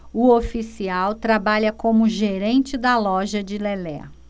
o oficial trabalha como gerente da loja de lelé